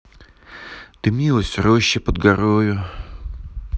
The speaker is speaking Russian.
дымилась роща под горою